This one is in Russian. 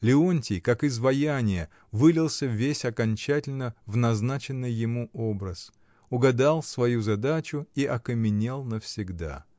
Леонтий, как изваяние, вылился весь окончательно в назначенный ему образ, угадал свою задачу и окаменел навсегда.